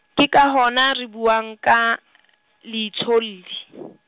ke ka hona re buang ka , leetsolli .